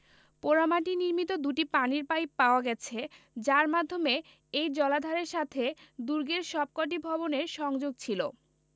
পোড়ামাটি নির্মিত দুটি পানির পাইপ পাওয়া গেছে যার মাধ্যমে এই জলাধারের সাথে দুর্গের সবকটি ভবনের সংযোগ ছিল